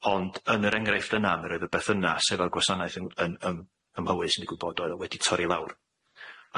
Ond yn yr engreiffd yna mi roedd y berthynas efo'r gwasanaeth yng- yn ym- ym Mhywys digwy bod oedd o wedi torri lawr